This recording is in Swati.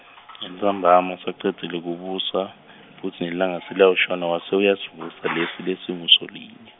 Entsambama asacedzile kubusa, futsi nelilanga seliyawashona wase uyasivusa lesi lesinguSolinye.